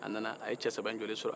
a nana cɛ saba in jɔlen sɔrɔ